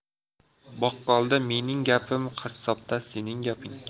boqqolda mening gapim qassobda sening gaping